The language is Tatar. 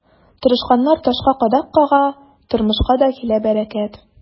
Тырышканнар ташка кадак кага, тормышка да килә бәрәкәт.